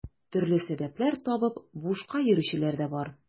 Төрле сәбәпләр табып бушка йөрүчеләр дә бар.